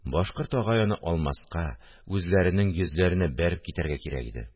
Башкорт агай аны алмаска, үзләренең йөзләренә бәреп китәргә кирәк иде